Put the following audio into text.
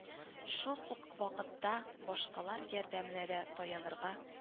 Шул ук вакытта башкалар ярдәменә дә таянырга